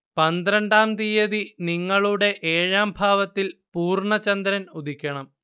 പന്ത്രണ്ടാം തീയതി നിങ്ങളുടെ ഏഴാം ഭാവത്തിൽ പൂർണ ചന്ദ്രൻ ഉദിക്കണം